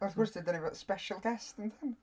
A wrth gwrs da- dan ni efo special guest yndan?